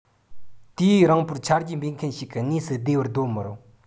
དུས ཡུན རིང པོར ཆ རྒྱུས མེད མཁན ཞིག གི གནས སུ བདེ བར སྡོད མི རུང